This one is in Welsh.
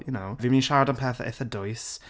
Y'know fi'n mynd i siarad am pethau eitha dwys.